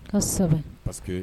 Ka sɛbɛn